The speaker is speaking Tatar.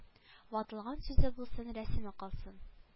Ватылган сүзе булсын рәсеме калсын